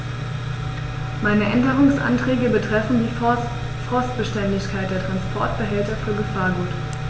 Meine Änderungsanträge betreffen die Frostbeständigkeit der Transportbehälter für Gefahrgut.